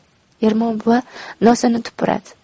ermon buva nosini tupuradi